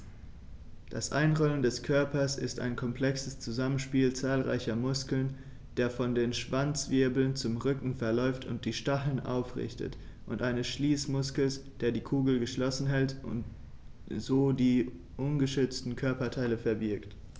Das Einrollen des Körpers ist ein komplexes Zusammenspiel zahlreicher Muskeln, der von den Schwanzwirbeln zum Rücken verläuft und die Stacheln aufrichtet, und eines Schließmuskels, der die Kugel geschlossen hält und so die ungeschützten Körperteile verbirgt.